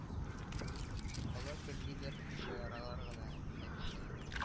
Алар көлмиләр шаяралар гына хәдичә